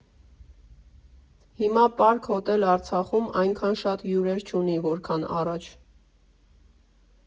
Հիմա «Պարկ հոթել Արցախում» այնքան շատ հյուրեր չունի, որքան առաջ։